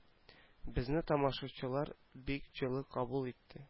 Безне тамашачылар бик җылы кабул итте